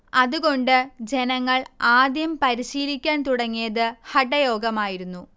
അതുകൊണ്ട് ജനങ്ങൾ ആദ്യം പരിശീലിക്കാൻ തുടങ്ങിയത് ഹഠയോഗമായിരുന്നു